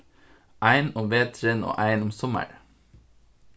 ein um veturin og ein um summarið